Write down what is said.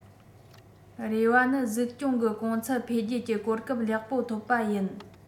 རེ བ ནི གཟིགས སྐྱོང གི གོང ཚད འཕེལ རྒྱས ཀྱི གོ སྐབས ལེགས པོ ཐོབ པ ཡིན